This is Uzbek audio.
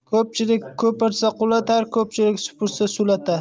ko'pchilik ko'pirsa qulatar ko'pchilik supursa sulatar